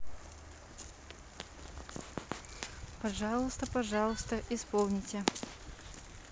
пожалуйста пожалуйста исполните